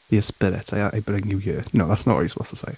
Dear spirit, I- I bring you here. No, that's not what you're supposed to say.